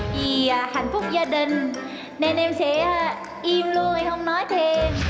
vì hạnh phúc gia đình nên em sẽ im luôn em không nói thêm